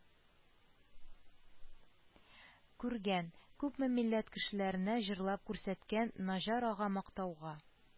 Күргән, күпме милләт кешеләренә җырлап күрсәткән наҗар ага мактауга